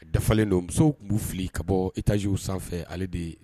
Dafalen don, musow tun b'u fili ka bɔ etaziw etages sanfɛ, hali bi